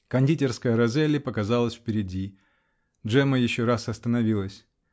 Кондитерская Розелли показалась впереди. Джемма еще раз остановилась .